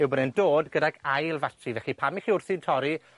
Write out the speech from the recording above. yw bod e'n dod gydag ail fatri. Felly, pan 'ych chi wrthi'n torri,